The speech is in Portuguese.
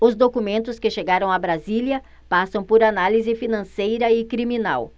os documentos que chegaram a brasília passam por análise financeira e criminal